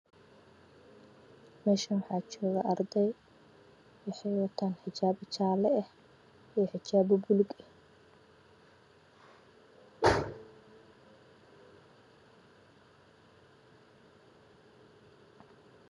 Meeshaan waxaa jooga arday waxey wataan xijaabo jaalle ah iyo xijaabo buluug ah